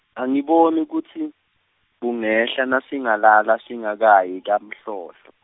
angiboni kutsi, bungehla nasingalala singakayi kaMhlohlo.